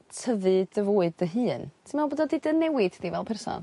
tyfu dy fwyd dy hun, ti'n me'wl bod o 'di dy newid di fel person?